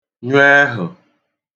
nyụ ẹhụ̀